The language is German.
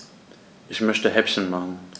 Ich möchte Häppchen machen.